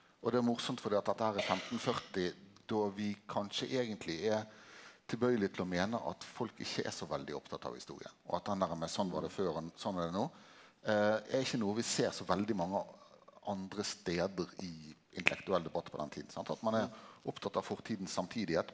og det er morosamt fordi at dette her er 1540 då vi kanskje eigentleg er tilbøyeleg til å meine at folk ikkje er så veldig opptatt av historia og at den derre med sånn var det før og sånn er det nå er ikkje noko vi ser så veldig mange andre stader i intellektuell debatt på den tida sant, at ein er opptatt av fortidas samtidigheit.